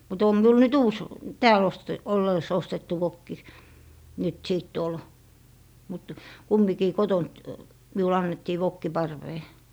mutta on minulla nyt uusi täällä - ollessa ostettu vokki nyt sitten tuolla mutta kumminkin kotoa minulle annettiin vokki parveen